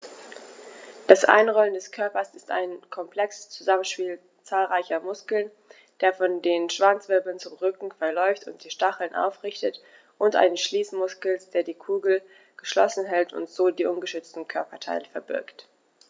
Das Einrollen des Körpers ist ein komplexes Zusammenspiel zahlreicher Muskeln, der von den Schwanzwirbeln zum Rücken verläuft und die Stacheln aufrichtet, und eines Schließmuskels, der die Kugel geschlossen hält und so die ungeschützten Körperteile verbirgt.